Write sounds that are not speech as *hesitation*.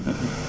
*hesitation* *hesitation*